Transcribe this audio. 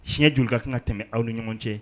Siyɛn joli ka kan ka tɛmɛ aw ni ɲɔgɔn cɛ